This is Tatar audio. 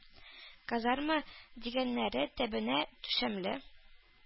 Казарма дигәннәре тәбәнәк түшәмле,